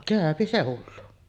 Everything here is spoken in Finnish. käy se hullu